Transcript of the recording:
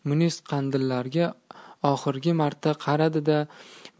munis qandillarga oxirgi marta qaradida